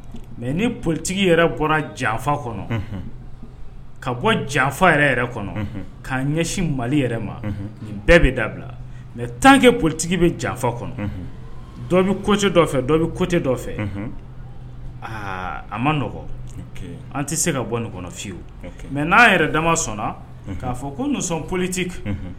Mɛ ni politigifa ka bɔ janfa kɔnɔ ka ɲɛsin mali ma bɛɛ bɛ dabila mɛ tankɛ politigi bɛ janfa kɔnɔ dɔ bɛ dɔ bɛ kotɛ dɔ fɛ aa a maɔgɔn an tɛ se ka bɔ nin kɔnɔ fiyewu mɛ n'a yɛrɛ dama sɔnna k'a fɔ kosɔn politigi